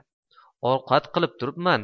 ovqat qilib turibman